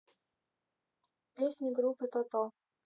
песни группы тото